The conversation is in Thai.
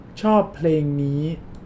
ชอบเพลงนี้